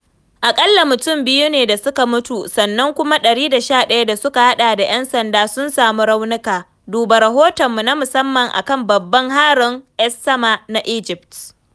Aƙalla mutam biyu ne suka mutu sannan kuma 111 da suka haɗa da 'yan sanda sun samu raunuka (Duba rahotanmu na musamman a kan Baban Harin Ssama na Egypt).